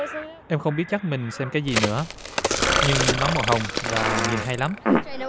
em không biết chắc mình xem cái gì nữa nhưng nó màu hồng và nhìn hay lắm